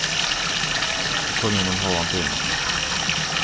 eg komi um ein hálvan tíma